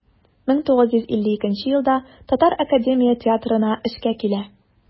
1952 елда татар академия театрына эшкә килә.